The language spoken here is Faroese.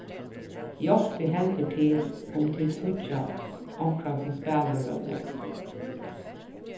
hjálpið heldur til um tit síggja onkran sum spælir ov nógv